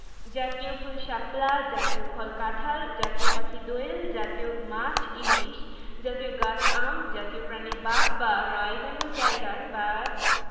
জাতীয় ফুলঃ শাপলা জাতীয় ফলঃ কাঁঠাল জাতীয় পাখিঃ দোয়েল জাতীয় মাছঃ ইলিশ জাতীয় গাছঃ আম জাতীয় প্রাণীঃ বাঘ বা রয়েল বেঙ্গল টাইগার বা